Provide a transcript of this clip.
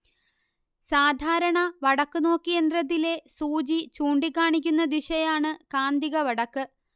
സാധാരണ വടക്കുനോക്കിയന്ത്രത്തിലെ സൂചി ചൂണ്ടികാണിക്കുന്ന ദിശയാണ് കാന്തിക വടക്ക്